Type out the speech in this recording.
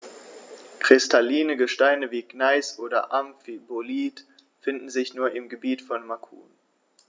Kristalline Gesteine wie Gneis oder Amphibolit finden sich nur im Gebiet von Macun.